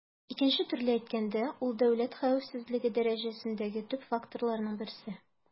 Икенче төрле әйткәндә, ул дәүләт хәвефсезлеге дәрәҗәсендәге төп факторларның берсе.